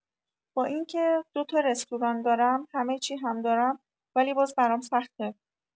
با اینکه دو تا رستوران دارم، همه چی هم دارم، ولی باز برام سخته!